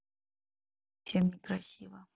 совсем некрасива